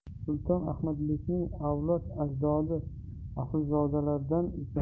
sulton ahmadbekning avlod ajdodi asilzodalardan ekan